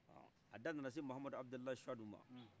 a da nana se muhamɛd abudulayi suhaduma